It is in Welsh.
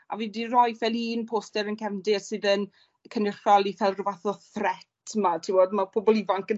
a fi 'di roi ffel un poster yn cefndir sydd yn cynrychioli ffel rhyw fath o threat 'ma t'wod ma' pobol ifanc yn